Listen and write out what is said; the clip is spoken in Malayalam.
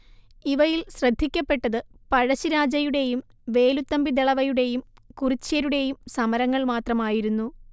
ഇവയിൽ ശ്രദ്ധിക്കപ്പെട്ടത് പഴശ്ശിരാജയുടേയും വേലുത്തമ്പിദളവയുടേയും കുറിച്യരുടേയും സമരങ്ങൾ മാത്രമായിരുന്നു